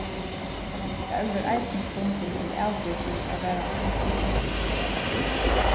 tað elvir eisini stundum til avbyrging av varðhaldsfongslaðum